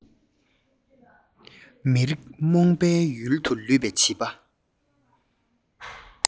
མ རིག རྨོངས པའི ཡུལ དུ ལུས པའི བྱིས པ